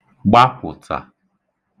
gbapụ̀tà